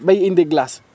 bay indi glace